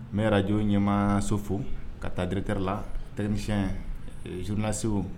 N arajo ɲɛma sofo ka taarite la terimisɛn zurunrina segu